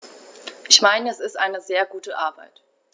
Ich meine, es ist eine sehr gute Arbeit.